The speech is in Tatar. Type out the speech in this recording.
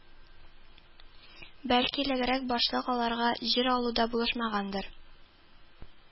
Бәлки элегрәк башлык аларга җир алуда булышмагандыр